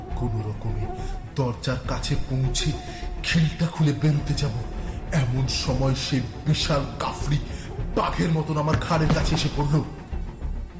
কোনরকমে দরজার কাছে পৌঁছে খিলটা খুলে বেরোতে যাব এমন সময় ও সেই বিশাল কাফরি বাঘের মত আমার ঘাড়ের ওপর এসে পড়ল